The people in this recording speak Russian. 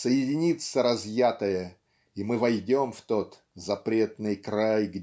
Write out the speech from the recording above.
соединится разъятое и мы войдем в тот "запретный край